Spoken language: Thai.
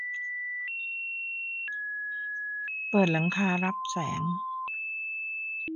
เปิดหลังคารับแสง